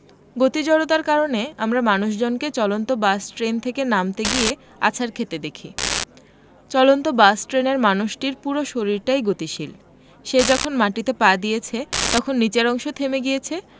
গতি জড়তার কারণে আমরা মানুষজনকে চলন্ত বাস ট্রেন থেকে নামতে গিয়ে আছাড় খেতে দেখি চলন্ত বাস ট্রেনের মানুষটির পুরো শরীরটাই গতিশীল সে যখন মাটিতে পা দিয়েছে তখন নিচের অংশ থেমে গিয়েছে